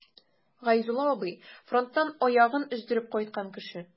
Гайзулла абый— фронттан аягын өздереп кайткан кеше.